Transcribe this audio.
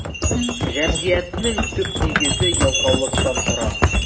Җәмгыятьнең төп нигезе ялкаулыктан тора.